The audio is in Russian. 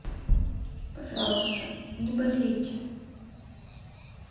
пожалуйста не болейте